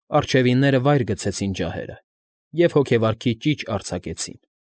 Առջևինները վայր գցեցին ջահերը և հոգեվարքի ճիչ արձակեցին։